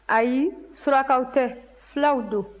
ayi surakaw tɛ fulaw don